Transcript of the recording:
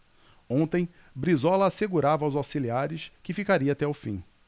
ontem brizola assegurava aos auxiliares que ficaria até o fim